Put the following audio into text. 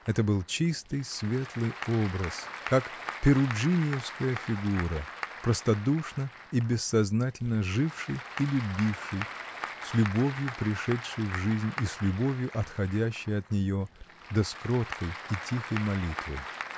Это был чистый, светлый образ, как перуджиниевская фигура, простодушно и бессознательно живший и любивший, с любовью пришедший в жизнь и с любовью отходящий от нее да с кроткой и тихой молитвой.